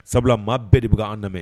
Sabula maa bɛɛ de bɛ k'an lamɛn.